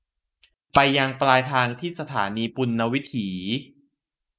ไปยังปลายทางที่สถานีปุณณวิถี